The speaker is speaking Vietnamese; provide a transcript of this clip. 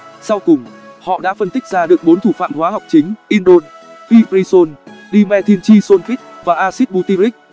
sau cùng họ đã phân tích ra được thủ phạm hóa học chính indole pcresol dimethyl trisulfide và axit butyric